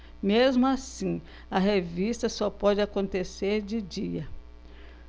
mesmo assim a revista só pode acontecer de dia